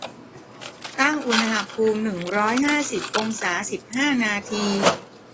ตั้งอุณหภูมิหนึ่งร้อยห้าสิบองศาสิบห้านาที